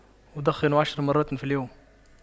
أدخن عشر مرات في اليوم